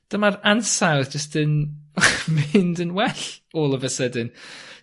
dyma'r ansawdd jyst yn mynd yn well all of a sudden.